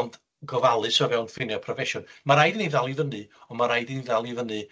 ond gofalus o fewn ffinia' proffesiwn. Ma' raid i ni ddal i fyny, on' ma' raid i ni dal i fyny